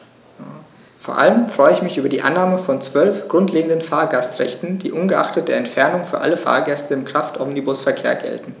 Vor allem freue ich mich über die Annahme von 12 grundlegenden Fahrgastrechten, die ungeachtet der Entfernung für alle Fahrgäste im Kraftomnibusverkehr gelten.